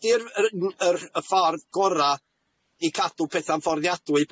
'di'r yr n- yr y ffordd gora' i cadw petha'n fforddiadwy i